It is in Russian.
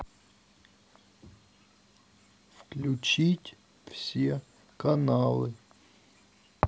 включить все каналы